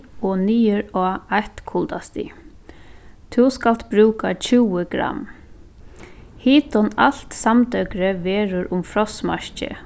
og niður á eitt kuldastig tú skalt brúka tjúgu gramm hitin alt samdøgrið verður um frostmarkið